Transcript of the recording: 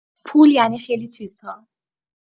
پول یعنی خیلی چیزها